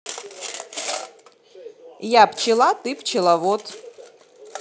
я пчела ты пчеловод